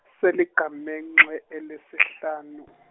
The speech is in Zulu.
seligamengxe elesihlanu.